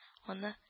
Аны